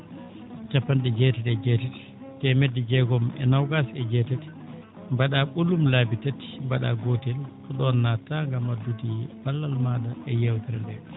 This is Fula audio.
cappan?e jeetati e jeetati teemedde jeegom e noogaas e jeetati mba?aa ?olum laabi tati mba?aa gotel ko ?oon nattaa ngam addude balla maa?a e yeewtere ndee